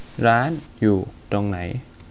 ร้านอยู่ตรงไหน